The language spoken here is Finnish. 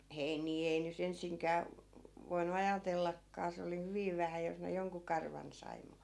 heiniä ei nyt ensinkään - voinut ajatellakaan se oli hyvin vähän jos ne jonkun karvan sai mutta